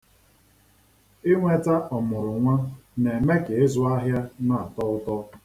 Inweta ọmụrụnwa na-eme ka ịzụ ahịa na-atọ ụtọ.